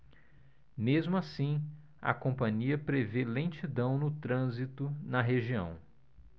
mesmo assim a companhia prevê lentidão no trânsito na região